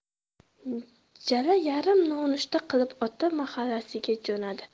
chala yarim nonushta qilib ota mahallasiga jo'nadi